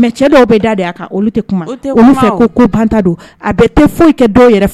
Mɛ cɛ dɔw bɛ da de kan olu ko banta don a bɛɛ tɛ foyi kɛ dɔw yɛrɛ k'